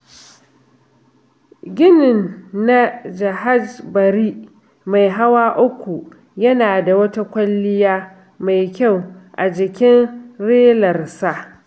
Ginin na "Jahaj Bari" mai hawa uku, yana da wata kwalliya mai kyau a jikin relarsa.